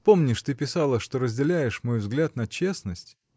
— Помнишь, ты писала, что разделяешь мой взгляд на честность.